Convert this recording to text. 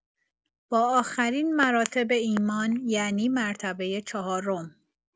با آخرین مراتب ایمان، یعنی مرتبه چهارم